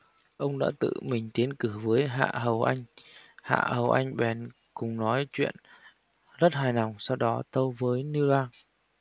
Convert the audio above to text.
ông đã tự mình tiến cử với hạ hầu anh hạ hầu anh bèn cùng nói chuyện rất hài lòng sau đó tâu với lưu bang